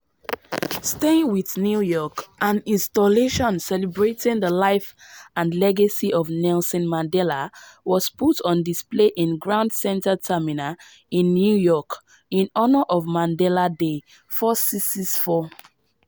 Staying with New York, an installation celebrating the life and legacy of Nelson Mandela was put on display in Grand Central Terminal in New York in honour of Mandela Day 46664.